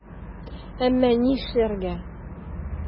Әмма нишләргә?!